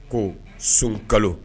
Ko sun kalo